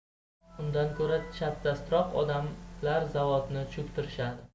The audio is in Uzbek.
undan ko'ra chapdastroq odamlar zavodni cho'ktirishadi